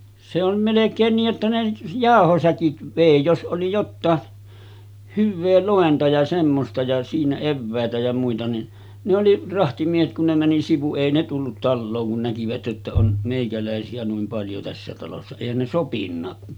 se on melkein niin että ne jauhosäkit vei jos oli jotakin hyvää lointa ja semmoista ja siinä eväitä ja muita niin ne oli rahtimiehet kun ne meni sivu ei ne tullut taloon kun näkivät että on meikäläisiä noin paljon tässä talossa eihän ne sopinutkaan